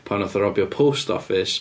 Pan nath o robio post office...